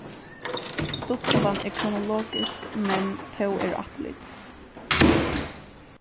stuttsøgan er kronologisk men tó eru afturlit